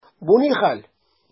Бу ни хәл!